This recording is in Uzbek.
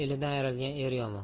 elidan ayrilgan er yomon